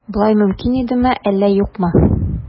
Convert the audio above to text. Болай мөмкин идеме, әллә юкмы?